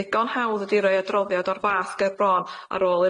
Digon hawdd ydi roi y droddiad o'r fath ger bron ar ôl